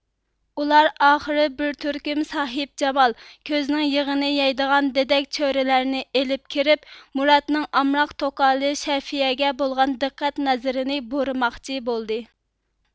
ئۇلار ئاخىرى بىر تۈركۈم ساھىبجامال كۆزنىڭ يېغىنى يەيدىغان دېدەك چۆرىلەرنى ئېلىپ كىرىپ مۇرادنىڭ ئامراق توقالى شەفىيەگە بولغان دىققەت نەزىرىنى بۇرىماقچى بولدى